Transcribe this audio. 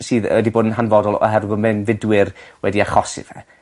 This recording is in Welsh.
sydd yy 'di bod yn hanfodol oherwydd bo' mewnfudwyr wedi achosi fe.